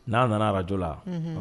N'a nana radio la, unhun